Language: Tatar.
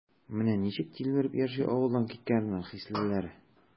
Менә ничек тилмереп яши авылдан киткәннәрнең хислеләре?